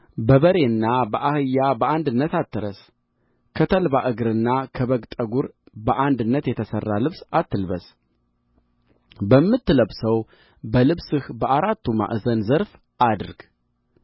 በበሬና በአህያ በአንድነት አትረስ ከተልባ እግርና ከበግ ጠጕር በአንድነት የተሠራ ልብስ አትልበስ በምትለብሰው በልብስህ በአራቱ ማዕዘን ዘርፍ አድርግ